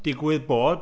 Digwydd bod.